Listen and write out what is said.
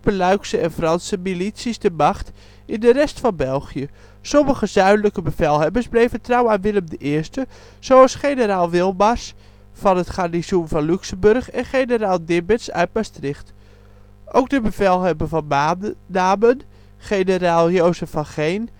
Luikse en Franse milities de macht in de rest van België. Sommige " zuidelijke " bevelhebbers bleven trouw aan Willem I, zoals generaal Wilmars van het garnizoen van Luxemburg, en generaal Dibbets uit Maastricht. Ook de bevelhebber van Namen, generaal Jozef van Geen